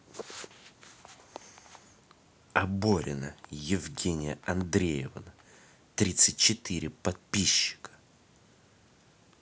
оборина евгения андреевна тридцать четыре подписчика